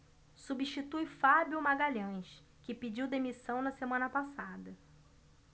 substitui fábio magalhães que pediu demissão na semana passada